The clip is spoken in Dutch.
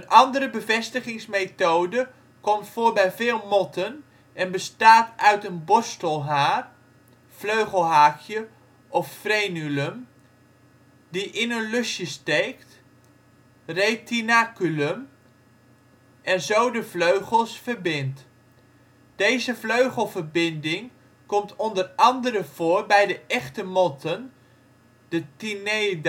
andere bevestigingsmethode komt voor bij veel motten en bestaat uit een borstelhaar (vleugelhaakje of frenulum) die in een lusje steekt (retinaculum) en zo de vleugels verbindt. Deze vleugelverbinding komt onder andere voor bij de echte motten (Tineidae